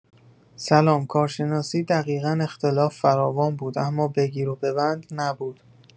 سلام کارشناسی دقیقا اختلاف فراوان بود اما بگیر و ببند نبود.